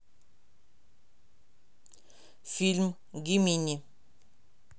фильм гемини